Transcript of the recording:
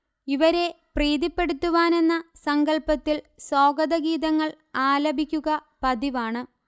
ഇവരെ പ്രീതിപ്പെടുത്തുവാനെന്ന സങ്കല്പത്തിൽ സ്വാഗതഗീതങ്ങൾ ആലപിക്കുക പതിവാണ്